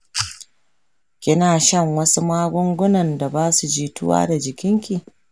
kina shan wasu magungunan da basu jituwa da jikinki.